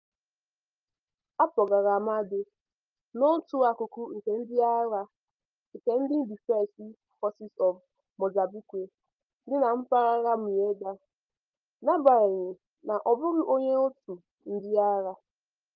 A kpọgara Amade n'otu akụkụ nke ndị agha nke ndị Defense Forces of Mozambique dị na mpaghara Mueda, n'agbanyeghị na ọ bụghị onye òtù ndị agha.